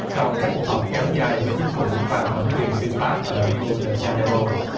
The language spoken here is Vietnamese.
sau các cuộc họp kéo dài với chính phủ và thẩm quyền tư pháp ở ri ô đờ gian nê rô